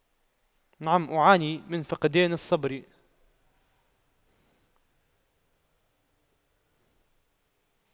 نعم أعاني من فقدان الصبر